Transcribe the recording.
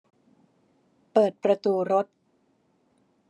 เปิดประตูรถ